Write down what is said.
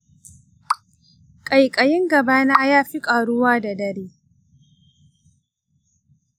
ƙaiƙayin gaba na ya fi ƙaruwa da dare.